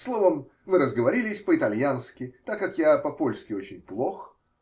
Словом, мы разговорились по-итальянски, так как я по-польски очень плох.